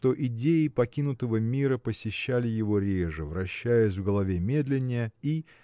что идеи покинутого мира посещали его реже вращаясь в голове медленнее и